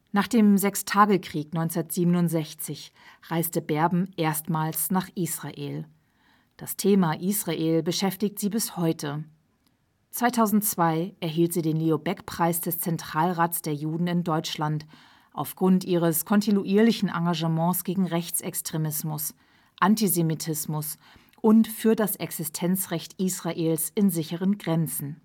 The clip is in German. Nach dem Sechstagekrieg 1967 reiste Berben erstmals nach Israel. Das Thema Israel beschäftigt sie bis heute. 2002 erhielt sie den Leo-Baeck-Preis des Zentralrats der Juden in Deutschland aufgrund ihres kontinuierlichen Engagements gegen Rechtsextremismus, Antisemitismus und für das Existenzrecht Israels in sicheren Grenzen